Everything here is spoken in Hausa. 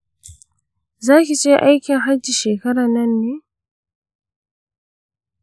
zaki je aikin hajji shekaran nan ne?